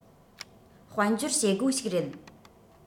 དཔལ འབྱོར བྱེད སྒོ ཞིག རེད